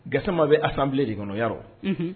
Gasama bɛ asanbilen de kɔnɔ ya rɔ